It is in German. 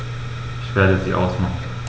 Ich werde sie ausmachen.